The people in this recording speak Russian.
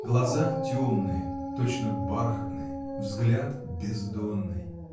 Глаза темные, точно бархатные, взгляд бездонный.